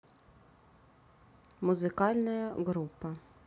музыкальная группа